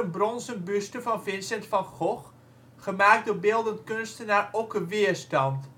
bronzen buste van Vincent van Gogh, gemaakt door beeldend kunstenaar Okke Weerstand